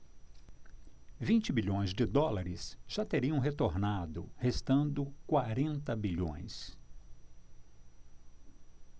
vinte bilhões de dólares já teriam retornado restando quarenta bilhões